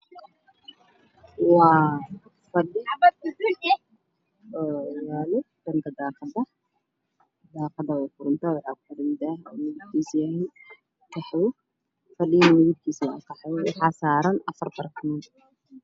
Waa fadhi iyo hal daaqad oo furan oo qaxwi ah fadhigana waa qaxwi waxaa saaran afar barkin.